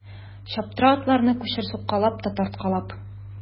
Чаптыра атларны кучер суккалап та тарткалап.